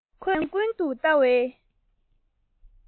ཁོས ཉིན མཚན ཀུན ཏུ ལྟ བའི